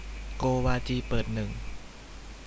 โกวาจีเปิดหนึ่ง